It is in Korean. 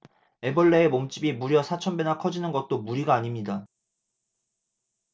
애벌레의 몸집이 무려 사천 배나 커지는 것도 무리가 아닙니다